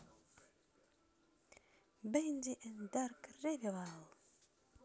bendy and dark revival